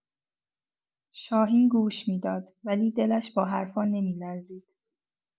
شاهین گوش می‌داد، ولی دلش با حرفا نمی‌لرزید.